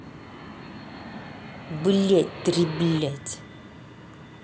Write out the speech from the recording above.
блядь три блядь